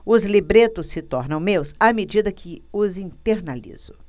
os libretos se tornam meus à medida que os internalizo